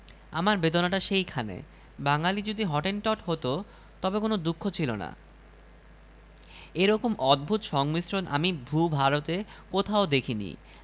আমার বেদনাটা সেইখানে বাঙালী যদি হটেনটট হত তবে কোন দুঃখ ছিল না এরকম অদ্ভুত সংমিশ্রণ আমি ভূ ভারতে কোথাও দেখি নি